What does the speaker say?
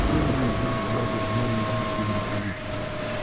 Первую из них звали Марьей Дмитриевной Калитиной.